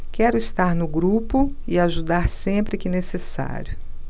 quero estar no grupo e ajudar sempre que necessário